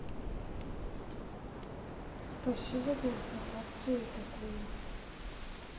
спасибо за информацией такую